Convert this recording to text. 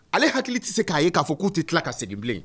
Ale hakili tɛ se k'a ye k'a fɔ k'u tɛ tila ka segin bilen.